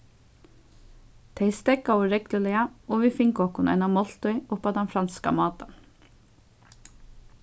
tey steðgaðu regluliga og vit fingu okkum eina máltíð upp á tann franska mátan